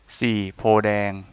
สี่โพธิ์แดง